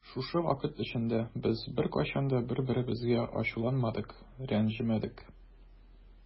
Шушы вакыт эчендә без беркайчан да бер-беребезгә ачуланмадык, рәнҗемәдек.